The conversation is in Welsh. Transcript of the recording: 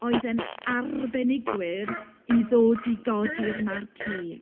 Oedd yn arbenigwyr i ddod i godi'r marquee.